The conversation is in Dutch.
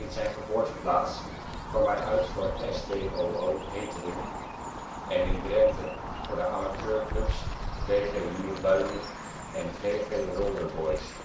zijn geboorteplaats kwam hij uit voor SDOO Heteren en in Drenthe voor de amateurclubs VV Nieuw Buinen en VV Rolder Boys